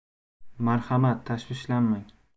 marhamat tashvishlanmang